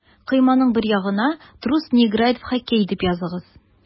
Койманың бер ягына «Трус не играет в хоккей» дип языгыз.